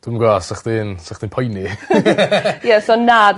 Dwi'm gwo 'sach chdi'n 'sach chdi'n poeni. Ie so na...